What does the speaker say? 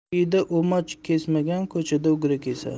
uyida umoch kesmagan ko'chada ugra kesar